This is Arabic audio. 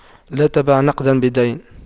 لا تبع نقداً بدين